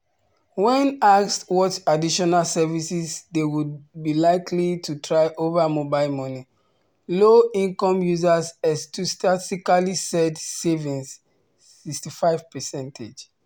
When asked what additional services they would be likely to try over mobile money, low-income users enthusiastically said savings (65%).